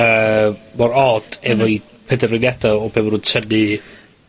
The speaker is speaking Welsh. yy mor od efo 'i penderfyniada o be' ma' nw'n tynnu